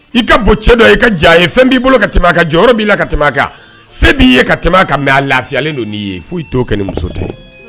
I ka bon cɛ dɔ i ka jan ye fɛn b'i bolo ka tɛmɛ a kan , jɔyɔrɔ b'i bolo ka tɛmɛ a kan , se b'i ye ka tɛmɛ a kan mais a lafiyalen don n'i ye, foyi t'o kɛ muso tɛ